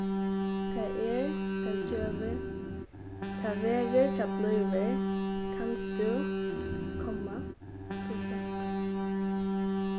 tað er tað gevur tað verður tað blívur kanst tú komma prosent